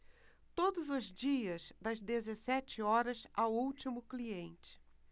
todos os dias das dezessete horas ao último cliente